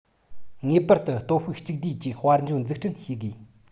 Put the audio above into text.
ངེས པར དུ སྟོབས ཤུགས གཅིག བསྡུས ཀྱིས དཔལ འབྱོར འཛུགས སྐྲུན བྱེད དགོས